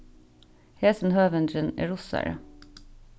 hesin høvundurin er russari